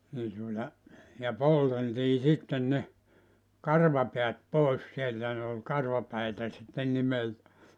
niin tuota ja polteltiin sitten ne karvapäät pois sieltä ne oli karvapäitä sitten nimeltä